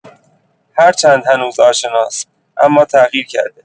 هرچند هنوز آشناست، اما تغییر کرده.